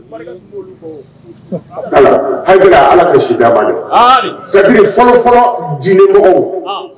Hali ala sa fɔlɔfɔlɔ jinɛmɔgɔw